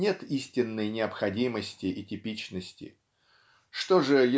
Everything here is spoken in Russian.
нет истинной необходимости и типичности. Что же